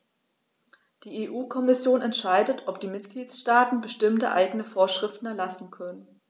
Die EU-Kommission entscheidet, ob die Mitgliedstaaten bestimmte eigene Vorschriften erlassen können.